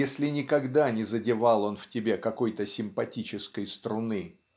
если никогда не задевал он в тебе какой-то симпатической струны.